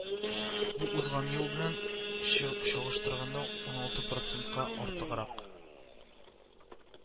Бу узган ел белән ча чагыштырганда уналты процентка артыграк